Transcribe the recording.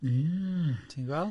Mm ie... Ti'n gweld?